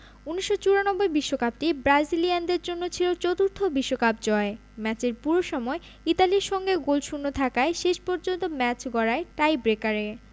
১৯৯৪ বিশ্বকাপটি ব্রাজিলিয়ানদের জন্য ছিল চতুর্থ বিশ্বকাপ জয় ম্যাচের পুরো সময় ইতালির সঙ্গে গোলশূন্য থাকায় শেষ পর্যন্ত ম্যাচ গড়ায় টাইব্রেকারে